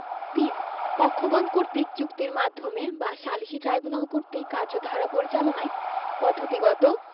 ৩ পক্ষগণ কর্তৃক চুক্তির মাধ্যমে বা সালিসী ট্রাইব্যুনাল কর্তৃক কার্যধারা পরিচালনায় পদ্ধতিগত